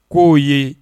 ' oo ye